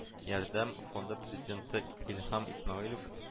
“ярдәм” фонды президенты илһам исмәгыйлев